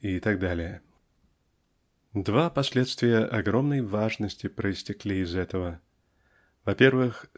и т.д. Два последствия огромной важности проистекли из этого. Во-первых